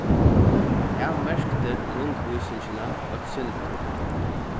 tað merkti rundvísingina eitt sindur